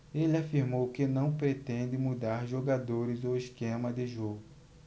ele afirmou que não pretende mudar jogadores ou esquema de jogo